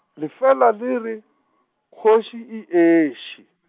lefela le re, kgoši eeiši .